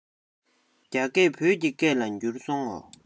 རྒྱ སྐད བོད ཀྱི སྐད ལ འགྱུར སོང ངོ